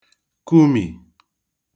kụmì